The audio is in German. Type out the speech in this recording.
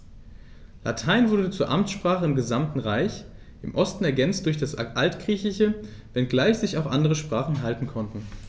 Latein wurde zur Amtssprache im gesamten Reich (im Osten ergänzt durch das Altgriechische), wenngleich sich auch andere Sprachen halten konnten.